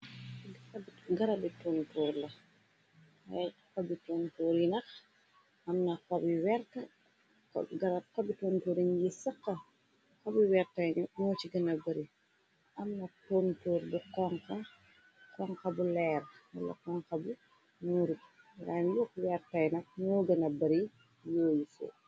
xabi tontoor yi nax garab xabi tontoriñ yi saxa xabi wertañu moo ci gëna bari amna tontoor bu konxa bu leer wala konxa bu ñuurig rañ yoo weertaynax ñoo gëna bari yoo yi fe.